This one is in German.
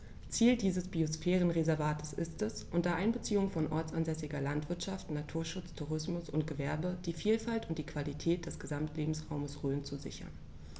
Ziel dieses Biosphärenreservates ist, unter Einbeziehung von ortsansässiger Landwirtschaft, Naturschutz, Tourismus und Gewerbe die Vielfalt und die Qualität des Gesamtlebensraumes Rhön zu sichern.